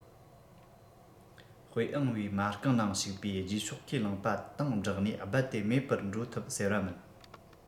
དཔེ ཨང པའི མ རྐང ནང ཞུགས པའི རྗེས ཕྱོགས ཁས བླངས པ དང སྦྲགས ནས རྦད དེ མེད པར འགྲོ ཐུབ ཟེར བ མིན